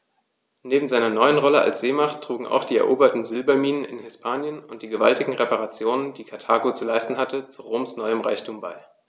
Neben seiner neuen Rolle als Seemacht trugen auch die eroberten Silberminen in Hispanien und die gewaltigen Reparationen, die Karthago zu leisten hatte, zu Roms neuem Reichtum bei.